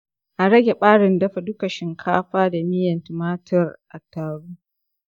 a rage ɓarin dafa dukan shinkafa da miyan tumatiri. a taro.